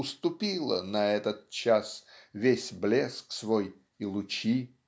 уступило На этот час весь блеск свой и лучи.